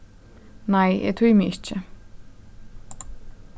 nei eg tími ikki